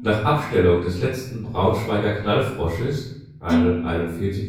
Nach Abstellung des letzten Braunschweiger „ Knallfrosches “(141 083